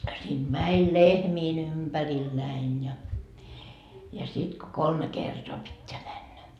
siitä meni lehmien ympärillä näin ja ja sitten kun kolme kertaa pitää mennä